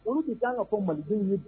Olu bɛ taa kan ka ko mandenw ye